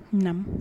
Naamu